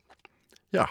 Ja.